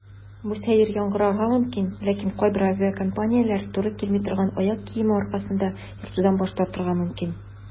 Бу сәер яңгырарга мөмкин, ләкин кайбер авиакомпанияләр туры килми торган аяк киеме аркасында йөртүдән баш тартырга мөмкин.